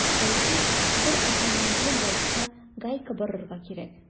Әйтик, бер әһәмиятле болтка гайка борырга кирәк.